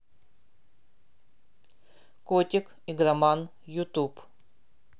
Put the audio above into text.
котик игроман ютуб